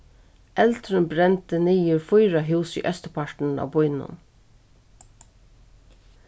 eldurin brendi niður fýra hús í eysturpartinum av býnum